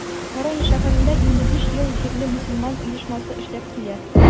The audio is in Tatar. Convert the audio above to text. Воронеж шәһәрендә инде биш ел җирле мөселман оешмасы эшләп килә.